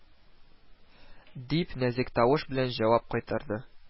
Дип, нәзек тавыш белән җавап кайтарды